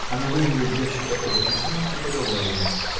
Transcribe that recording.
Она вынула из ящика оба письма и подала ему.